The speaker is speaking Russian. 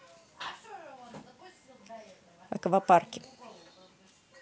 аквапарки